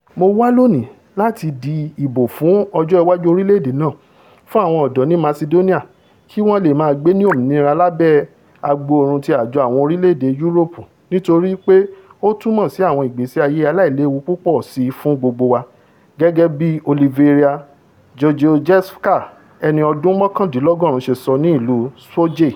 Mó wá lóòní láti di ìbò fún ọjọ́ iwájú orílẹ̀-èdè náà, fún àwọn ọ̀dọ́ ní Masidóníà kí wọ́n leè máa gbé ní òmìnira lábẹ́ agboòrùn ti Àjọ Àwọn orílẹ̀-èdè Yúróòpù nítorí pé ó túmọ̀ sí àwọn ìgbésí ayé aláìléwu púpọ̀ síi fún gbogbo wa,'' gẹ́gẹ́ bíi Olivera Georgijevska, ẹni ọdún mọ́kàndínlọ́gọ́rin ṣe sọ, ní ìlú Skopje.